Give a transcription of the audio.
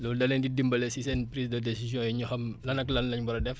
loolu da leen di dimbale si seen prise :ra de décision yi ñu xam lan ak lan lañ war a def